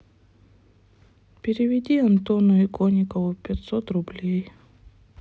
переведи антону иконникову пятьсот рублей